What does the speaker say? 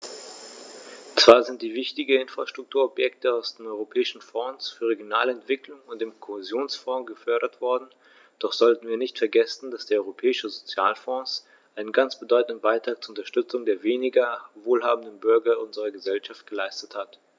Zwar sind wichtige Infrastrukturprojekte aus dem Europäischen Fonds für regionale Entwicklung und dem Kohäsionsfonds gefördert worden, doch sollten wir nicht vergessen, dass der Europäische Sozialfonds einen ganz bedeutenden Beitrag zur Unterstützung der weniger wohlhabenden Bürger unserer Gesellschaft geleistet hat.